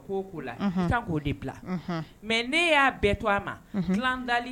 Ko o ko la unhun i kan k'o de bila unhun mais n'e y'a bɛ to a ma dilan dali